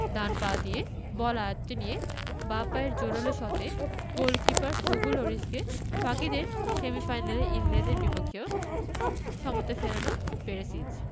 ডান পা দিয়ে বল আয়ত্তে নিয়ে বাঁ পায়ের জোরালো শটে গোলকিপার হুগো লরিসকে ফাঁকি দেন সেমিফাইনালে ইংল্যান্ডের বিপক্ষেও সমতা ফেরানো পেরিসিচ